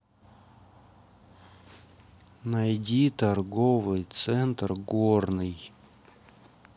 найди торговый центр горный